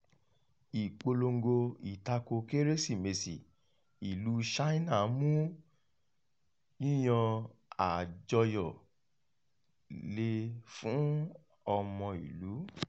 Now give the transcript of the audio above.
Ìpolongo ìtakò Kérésìmesì ìlú China mú yíyan àjọyọ̀ le fún ọmọ-ìlú